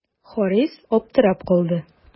Харис аптырап калды.